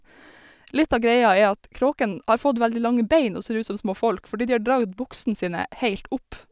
Litt av greia er at kråkene har fått veldig lange bein og ser ut som små folk fordi de har dratt buksene sine heilt opp.